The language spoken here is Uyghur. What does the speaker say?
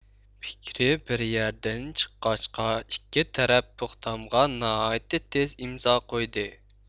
پىكرى بىر يەردىن چىققاچقا ئىككى تەرەپ توختامغا ناھايىتى تېز ئىمزا قويدى